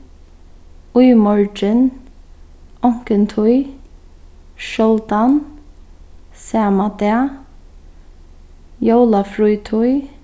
í morgin onkuntíð sjáldan sama dag jólafrítíð